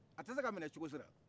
a tɛ se ka minɛ cogo si la